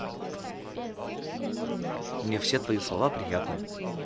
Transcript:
мне все твои слова приятны